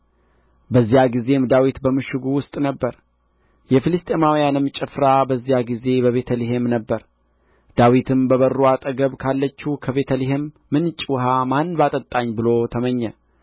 በዚያ ጊዜም ዳዊት በምሽጉ ውስጥ ነበረ የፍልስጥኤማውያንም ጭፍራ በዚያ ጊዜ በቤተ ልሔም ነበረ ዳዊትም በበሩ አጠገብ ካለችው ከቤተ ልሔም ምንጭ ውኃ ማን ባጠጣኝ ብሎ ተመኘ